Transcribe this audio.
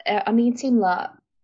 ...yy o'n i'n teimlo...